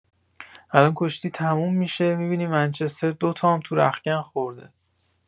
الان کشتی تموم می‌شه می‌بینی منچستر دوتام توو رختکن خورده